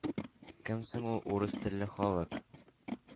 Кем соң ул «урыс телле халык»?